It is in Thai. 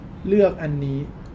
กดอันนี้